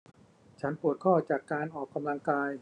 ฉันปวดข้อจากการออกกำลังกาย